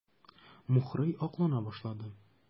Мухрый аклана башлады.